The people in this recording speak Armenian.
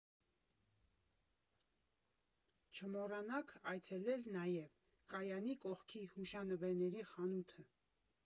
Չմոռանաք այցելել նաև կայանի կողքի հուշանվերների խանութը։